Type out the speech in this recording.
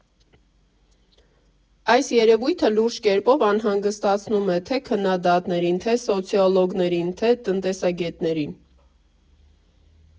Այս երևույթը լուրջ կերպով անհանգստացնում է թե՛ քննադատներին, թե՛ սոցիոլոգներին, թե՛ տնտեսագետներին։